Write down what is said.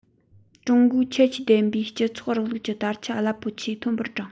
ཀྲུང གོའི ཁྱད ཆོས ལྡན པའི སྤྱི ཚོགས རིང ལུགས ཀྱི དར ཆ རླབས པོ ཆེ མཐོན པོར བསྒྲེངས